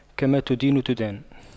كما تدين تدان